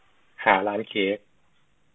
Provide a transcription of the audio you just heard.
หาร้านเค้ก